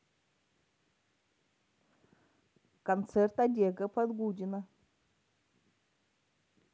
концерт олега погудина